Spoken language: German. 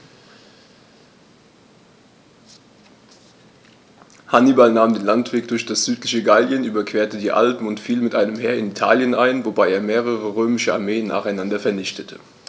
Hannibal nahm den Landweg durch das südliche Gallien, überquerte die Alpen und fiel mit einem Heer in Italien ein, wobei er mehrere römische Armeen nacheinander vernichtete.